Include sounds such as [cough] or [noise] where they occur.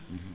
[hesitation] [hesitation]